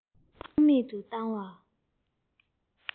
ཕངས མེད དུ བཏང པ